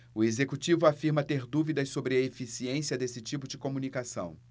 o executivo afirma ter dúvidas sobre a eficiência desse tipo de comunicação